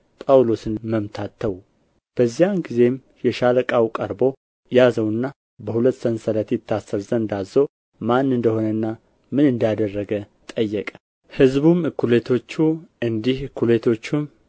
ጳውሎስን መምታት ተዉ በዚያን ጊዜም የሻለቃው ቀርቦ ያዘውና በሁለት ሰንሰለት ይታሰር ዘንድ አዞ ማን እንደ ሆነና ምን እንዳደረገ ጠየቀ ሕዝቡም እኵሌቶቹ እንዲህ እኵሌቶቹም